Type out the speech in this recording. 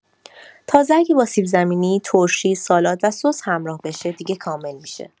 تازه اگه با سیب‌زمینی، ترشی، سالاد و سس همراه بشه، دیگه کامل می‌شه.